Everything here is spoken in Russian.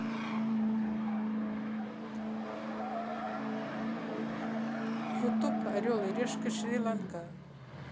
ютуб орел и решка шри ланка